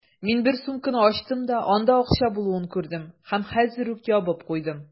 Мин бер сумканы ачтым да, анда акча булуын күрдем һәм хәзер үк ябып куйдым.